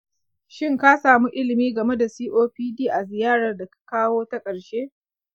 shin ka samu ilimi game da copd a ziyarar da ka kawo ta karshe?